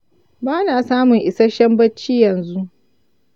ba na samun isasshen bacci yanzu.